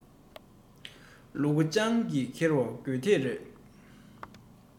ལུ གུ སྤྱང ཀིས འཁྱེར བ དགོས བདེན རེད